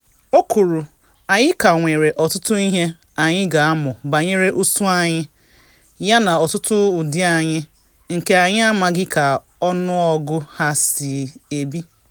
O kwuru: “Anyị ka nwere ọtụtụ ihe anyị ga-amụ banyere ụsụ anyị yana ọtụtụ ụdị anyị, nke anyị amaghị ka ọnụọgụ ha si ebi.”